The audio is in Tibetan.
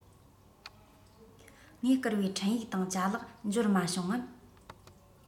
ངས བསྐུར བའི འཕྲིན ཡིག དང ཅ ལག འབྱོར མ བྱུང ངམ